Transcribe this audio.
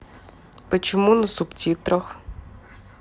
почему на субтитрах